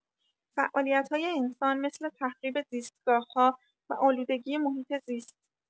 فعالیت‌های انسان مثل تخریب زیستگاه‌ها و آلودگی محیط‌زیست